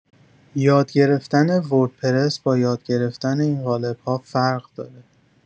یاد گرفتن وردپرس با یاد گرفتن این قالب‌ها فرق داره.